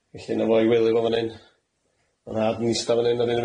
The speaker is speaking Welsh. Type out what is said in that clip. felly 'na fo i wely fo fan'yn, ma' nhad yn ista fan'yn ar hyn o bryd